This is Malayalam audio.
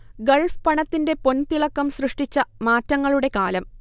ഗൾഫ് പണത്തിന്റെ പൊൻതിളക്കം സൃഷ്ടിച്ച മാറ്റങ്ങളുടെ കാലം